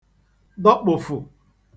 dọkpụ̀fụ̀